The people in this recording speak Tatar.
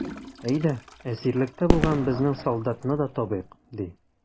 Әйдә, әсирлектә булган безнең солдатны да табыйк, ди.